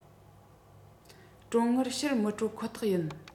གྲོན དངུལ ཕྱིར མི སྤྲོད ཁོ ཐག ཡིན